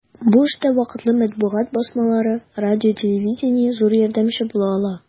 Бу эштә вакытлы матбугат басмалары, радио-телевидение зур ярдәмче була ала.